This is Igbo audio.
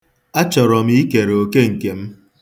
Achọrọ m ikere oke nke m.